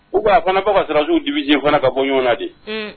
U ko a fana bɔ ka sjw dibijɛ fana ka bɔ ɲɔgɔn na de